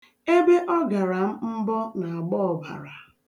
Ebe ọ gara m mbọ na-agba ọbara.